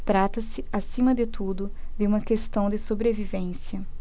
trata-se acima de tudo de uma questão de sobrevivência